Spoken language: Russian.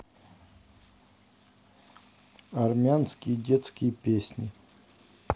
армянские детские песни